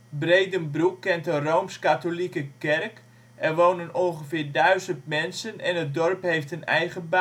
Breedenbroek kent een rooms-katholieke kerk, er wonen ongeveer 1000 mensen en het dorp heeft een eigen basisschool